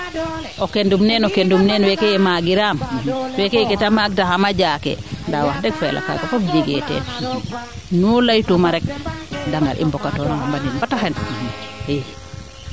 o kenum neen o kenum neen weeke leye maagiraam weeke leyee keete maak taxama jaake nda wax deg fa yala kaaga fop jegee teen mu ley tuuma rek de ngar i mbokatoor ngenanin bata xen i